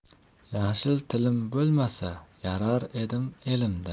yashil tilim bo'lmasa yayrar edim elimda